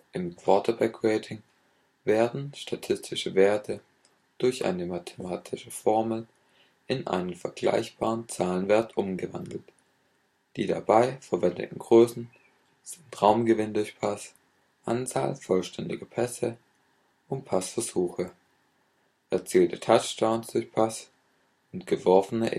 Im Quarterback Rating werden statistische Werte durch eine mathematische Formel in einen vergleichbaren Zahlenwert umgewandelt. Die dabei verwendeten Größen sind Raumgewinn durch Pass, Anzahl vollständiger Pässe und Passversuche, erzielte Touchdowns durch Pass und geworfene